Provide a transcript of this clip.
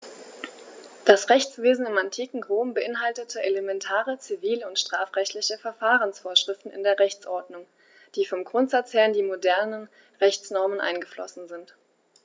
Das Rechtswesen im antiken Rom beinhaltete elementare zivil- und strafrechtliche Verfahrensvorschriften in der Rechtsordnung, die vom Grundsatz her in die modernen Rechtsnormen eingeflossen sind.